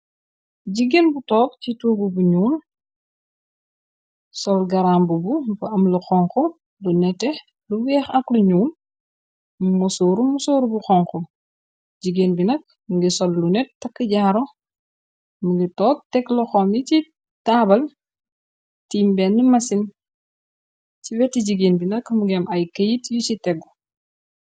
Jigéen bu toog ci toogu bu ñuul, sol garamb bu bu am lu xonku, lu nette, lu weex, ak lu ñuul, mu mosooru musooru bu xonku, jigéen bi nak mungir sol lu net, tak jaaro, mungir toog teg loxol ni ci taabal, tim benn masin, ci weti jigéen bi nak, mungem ay keyit yu ci teggu.